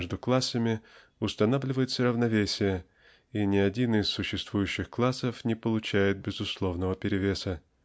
между классами устанавливается равновесие и ни один из существующих классов не получает безусловного перевеса.